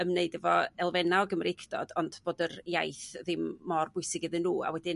ymwneud efo elfenna' o Gymreictod ond fod yr iaith ddim mor bwysig iddyn n'w a wedyn